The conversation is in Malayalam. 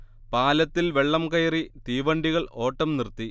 പാലത്തിൽ വെള്ളം കയറി തീവണ്ടികൾ ഓട്ടം നിർത്തി